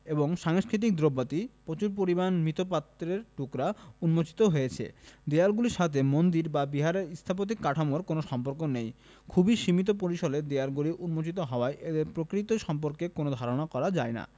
এবং সাংষ্কৃতিক দ্রব্যাদি প্রচুর পরিমাণ মৃৎপাত্রের টুকরা উন্মোচিত হয়েছে দেয়ালগুলির সাথে মন্দির বা বিহারের স্থাপত্যিক কাঠামোর কোন সম্পর্ক নেই খুবই সীমিত পরিসরে দেয়ালগুলি উন্মোচিত হওয়ায় এদের প্রকৃত সম্পর্কে কোন ধারণা করা যায় না